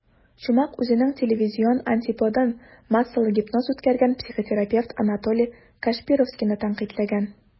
Чумак үзенең телевизион антиподын - массалы гипноз үткәргән психотерапевт Анатолий Кашпировскийны тәнкыйтьләгән.